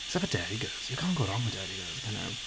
Except for Derry Girls. You can't go wrong with Derry Girls can you?